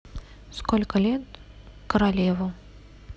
сколько лет королеву